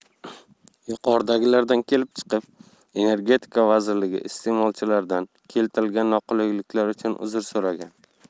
yuqoridagilardan kelib chiqib energetika vazirligi iste'molchilardan keltirilgan noqulayliklar uchun uzr so'ragan